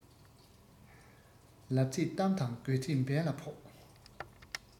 ལབ ཚད གཏམ དང དགོས ཚད འབེན ལ ཕོག